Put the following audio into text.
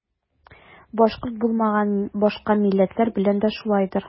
Башкорт булмаган башка милләтләр белән дә шулайдыр.